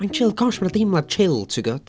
Mae'n chill gosh mae 'na deimlad chill tibod?